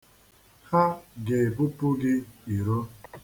Ha ga-ebupu gị iro.